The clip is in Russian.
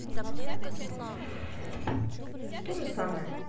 то же самое